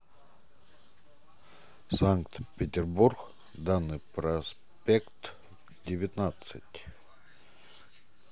санкт петербург дачный проспект девятнадцать